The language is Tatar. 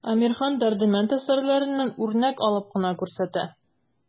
Әмирхан, Дәрдемәнд әсәрләреннән үрнәк алып кына күрсәтә.